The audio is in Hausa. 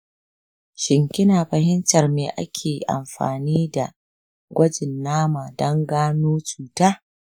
shin kina fahimtar me ake amfani da gwajin nama don gano cuta?